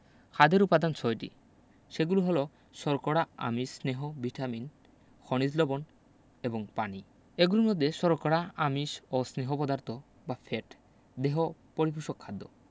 খাদ্যের উপাদান ছয়টি সেগুলো হলো শর্করা আমিষ স্নেহ ভিটামিন খনিজ লবন এবং পানি এগুলোর মধ্যে শর্করা আমিষ ও স্নেহ পদার্থ বা ফ্যাট দেহ পরিপোষক খাদ্য